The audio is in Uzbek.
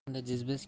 qozonda jiz biz